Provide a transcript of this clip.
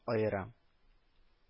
Аера